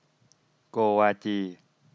โกวาจี